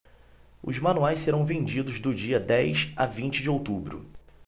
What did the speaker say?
os manuais serão vendidos do dia dez a vinte de outubro